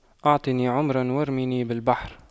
اعطني عمرا وارميني بالبحر